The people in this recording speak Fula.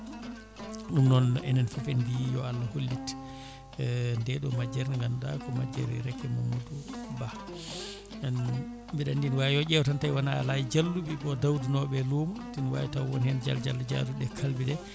ɗum noon enen foof en mbi yo Allah hollit nde ɗo majjere nde ganduɗa ko majjere Raky Mamadou Ba en mbeɗa andi ne wawi yo ƴeew tan wona ala e jalluɓe ɓe dawdunoɓe luumo taw ne wawi taw woni hen jaal Diallo jaaduɗo e kalbe ɗe